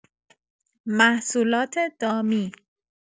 محصولات دامی